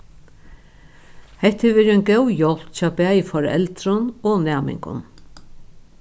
hetta hevur verið ein góð hjálp hjá bæði foreldrum og næmingum